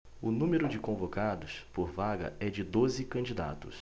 o número de convocados por vaga é de doze candidatos